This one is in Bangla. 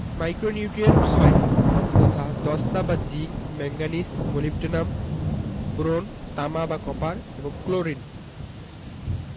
মাইক্রোনিউট্রিয়েন্ট ৬টি যথা দস্তা বা জিংক ম্যাংগানিজ মোলিবডেনাম বোরন তামা বা কপার এবং ক্লোরিন